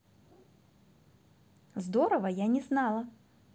здорово я не знала